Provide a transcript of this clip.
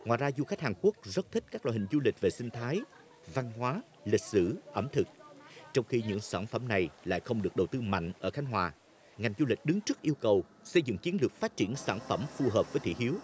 ngoài ra du khách hàn quốc rất thích các loại hình du lịch về sinh thái văn hóa lịch sử ẩm thực trong khi những sản phẩm này lại không được đầu tư mạnh ở khánh hòa ngành du lịch đứng trước yêu cầu xây dựng chiến lược phát triển sản phẩm phù hợp với thị hiếu